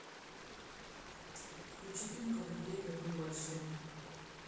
включи фильм когда деревья были большие